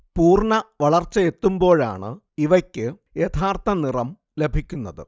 പൂർണ്ണവളർച്ചയെത്തുമ്പോഴാണ് ഇവക്ക് യഥാർത്ത നിറം ലഭിക്കുന്നത്